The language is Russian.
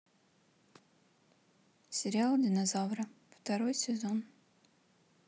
сериал динозавры второй сезон